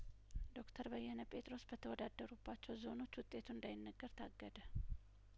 ዶክተር በየነ ጴጥሮስ በተወዳደሩባቸው ዞኖች ውጤቱ እንዳይነገር ታገደ